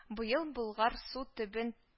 Быел Болгар су төбен